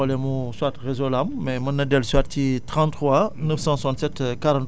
xam naa ni problème mu soit réseau la am mais mën na dellu si waat ci 33